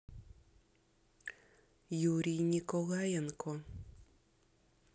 юрий николаенко